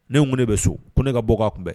Ne kun ne bɛ so ko ne ka bɔkan kunbɛn